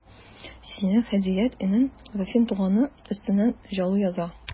Синең Һидият энең Вафин туганы өстеннән жалу яза...